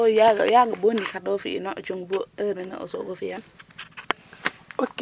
soo yaga bo ndiik xar tax fi'ino o cung bo heure nene o sogo fi'an?